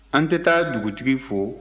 an tɛ taa dugutigi fo